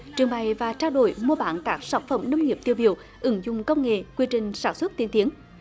trưng bày và trao đổi mua bán các sản phẩm nông nghiệp tiêu biểu ứng dụng công nghệ quy trình sản xuất tiên tiến